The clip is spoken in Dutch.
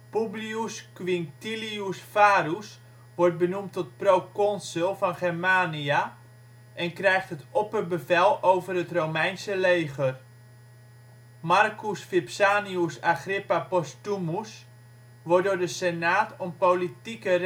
Publius Quinctilius Varus wordt benoemd tot proconsul van Germania en krijgt het opperbevel over het Romeinse leger. Marcus Vipsanius Agrippa Postumus wordt door de Senaat om politieke redenen